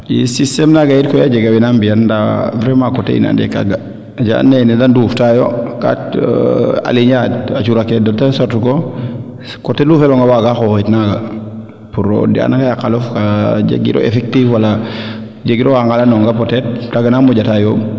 i systeme naaga yit koy a jega waana mbiyan ndaa vraiment coté in ande kaaga a jega we and naye neede nduuf taayo kaa aligner an a curake de tel sorte que coté lu feloonga waaga xoxit naaga pour o ana ngaaye a qalof jegiro effective wala jegiro waa ngalango nga peut etre kaaga na moƴata yoomb